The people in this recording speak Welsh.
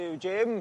Ew Jim.